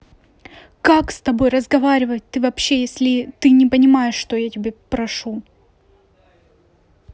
как с тобой разговаривать ты вообще если ты не понимаешь что я тебя прошу